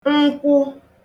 nkwụ